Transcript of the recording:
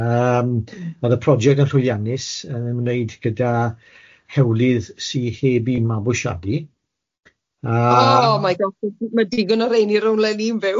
yym oedd y project yn llwyddiannus yn ymwneud gyda hewlydd sy heb eu mabwysiadu a... O my God ma' digon o rheiny rownd le ni'n byw!...